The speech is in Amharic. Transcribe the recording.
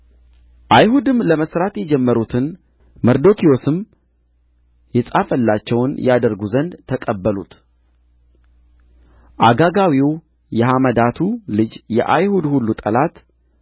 አይሁድም ለመሥራት የጀመሩትን መርዶክዮስም የጻፈላቸውን ያደርጉ ዘንድ ተቀበሉት አጋጋዊው የሐመዳቱ ልጅ የአይሁድ ሁሉ ጠላት